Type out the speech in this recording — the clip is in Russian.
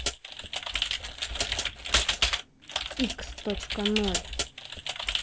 x точка ноль